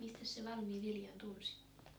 mistäs sen valmiin viljan tunsi